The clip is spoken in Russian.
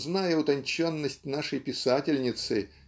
зная утонченность нашей писательницы